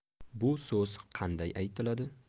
bu so'z qanday aytiladi